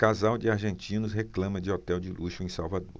casal de argentinos reclama de hotel de luxo em salvador